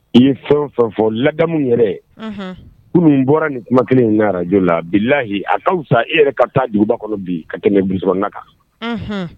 I ye fɛn o fɛn fɔ ladamu yɛrɛ kunun ne bɔra ni kuma kelen in ye Radio la bilayi a ka fisa e yɛrɛ ka taa duguba kɔnɔ bi ka tɛmɛ brousse kɔnɔna kan.